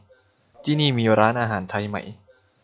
ที่นี่มีร้านอาหารไทยไหม